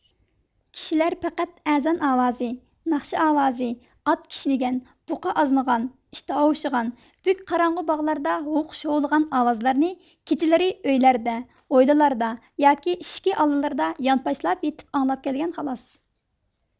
كىشىلەر پەقەت ئەزان ئاۋازى ناخشا ئاۋازى ئات كىشنىگەن بۇقا ئازنىغان ئىت ھاۋشىغان بۈك قاراڭغۇ باغلاردا ھۇۋقۇش ھۇۋلىغان ئاۋازلارنى كېچىلىرى ئۆيلەردە ھويلىلاردا ياكى ئىشىكى ئالدىلىرىدا يانپاشلاپ يېتىپ ئاڭلاپ كەلگەن خالاس